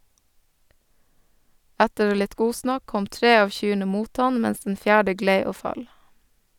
Etter litt godsnakk kom tre av kyrne mot han, mens den fjerde glei og fall.